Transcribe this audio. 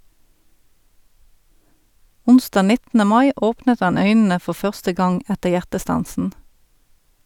Onsdag 19. mai åpnet han øynene for første gang etter hjertestansen.